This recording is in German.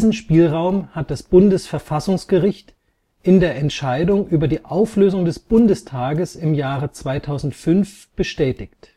Spielraum hat das Bundesverfassungsgericht in der Entscheidung über die Auflösung des Bundestages im Jahre 2005 bestätigt